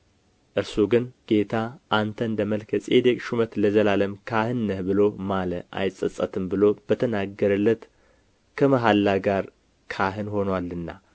እርሱ ግን ጌታ አንተ እንደ መልከ ጼዴቅ ሹመት ለዘላለም ካህን ነህ ብሎ ማለ አይጸጸትም ብሎ በተናገረለት ከመሐላ ጋር ካህን ሆኖአልና